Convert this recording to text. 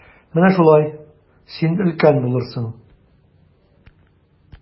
Менә шулай, син өлкән булырсың.